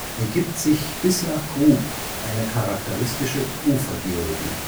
ergibt sich bis nach Grub eine charakteristische Ufergeologie